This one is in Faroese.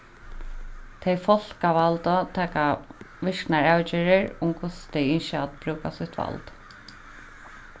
tey fólkavaldu taka virknar avgerðir um hvussu tey ynskja at brúka sítt vald